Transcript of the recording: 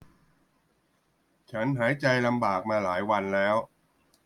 ฉันหายใจลำบากมาหลายวันแล้ว